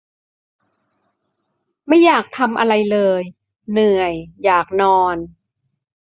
ไม่อยากทำอะไรเลยเหนื่อยอยากนอน